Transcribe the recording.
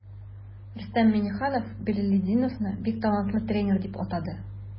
Рөстәм Миңнеханов Билалетдиновны бик талантлы тренер дип атады.